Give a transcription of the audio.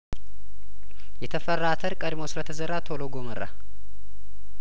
የተፈራ አተር ቀድሞ ስለተዘራ ቶሎ ጐመራ